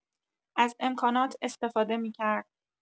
از امکانات استفاده می‌کرد.